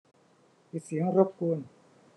ปิดเสียงรบกวน